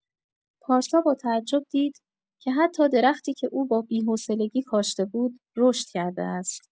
پارسا با تعجب دید که حتی درختی که او با بی‌حوصلگی کاشته بود، رشد کرده است.